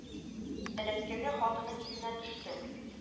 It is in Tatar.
Элеккеге хатыны исенә төште